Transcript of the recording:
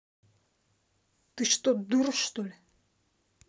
ты что дура что ли